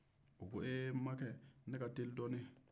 o ko ee makɛ ne ka teli dɔɔni